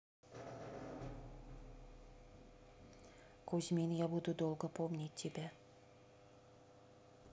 кузьмин я буду долго помнить тебя